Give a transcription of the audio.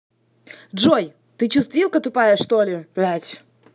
джой ты чувствилка тупая что ли блядь